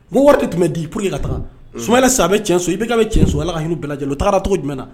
Mɔgɔ wɛrɛ tun bɛ di p ka taa so sa a bɛ cɛn i bɛ cɛnso ala ka bɛɛ lajɛlen o taara cogo jumɛn na